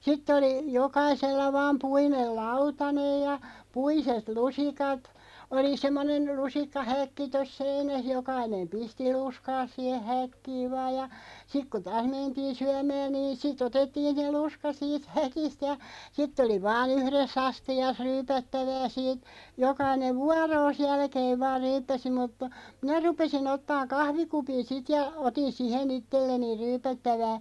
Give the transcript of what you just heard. sitten oli jokaisella vain puinen lautanen ja puiset lusikat oli semmoinen lusikkahäkki tuossa seinässä jokainen pisti lusikkansa siihen häkkiin vain ja sitten kun taas mentiin syömään niin siten otettiin se lusikka siitä häkistä ja sitten oli vain yhdessä astiassa ryypättävää siitä jokainen vuoronsa jälkeen vain ryyppäsi mutta minä rupesin ottamaan kahvikupin sitten ja otin siihen itselleni ryypättävää